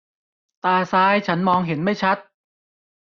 ตาซ้ายฉันมองเห็นไม่ชัด